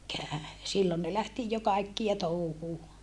silloin ne lähti jo kaikkia touhuun